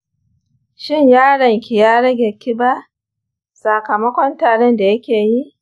shin yaron ki ya rage kiba sakamakon tarin da yakeyi?